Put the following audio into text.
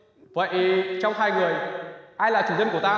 vậy trong hai người ai là chủ nhân của ta